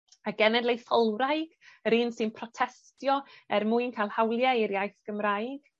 Y genedlaetholwraig, yr un sy'n protestio er mwyn ca'l hawlie i'r iaith Gymraeg,